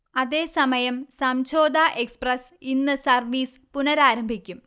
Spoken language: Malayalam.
അതേസമയം സംഝോത എക്സ്പ്രസ്സ് ഇന്ന് സർവീസ് പുനരാരംഭിക്കും